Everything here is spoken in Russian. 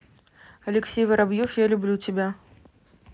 алексей воробьев я люблю тебя